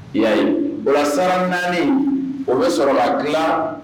Y walasasara naani o bɛ sɔrɔ la dilan